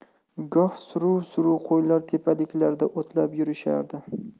goh suruv suruv qo'ylar tepaliklarda o'tlab yurishardi